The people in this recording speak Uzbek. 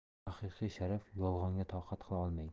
haqiqiy sharaf yolg'onga toqat qila olmaydi